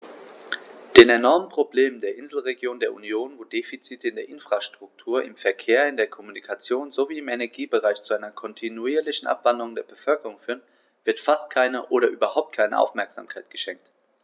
Den enormen Problemen der Inselregionen der Union, wo die Defizite in der Infrastruktur, im Verkehr, in der Kommunikation sowie im Energiebereich zu einer kontinuierlichen Abwanderung der Bevölkerung führen, wird fast keine oder überhaupt keine Aufmerksamkeit geschenkt.